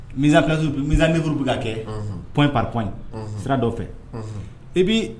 Mise en place mise en œuvre bɛ na ka kɛ point par point ye sira